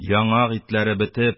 Яңак итләре бетеп,